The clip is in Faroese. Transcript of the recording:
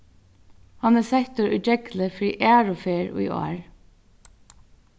hann er settur í geglið fyri aðru ferð í ár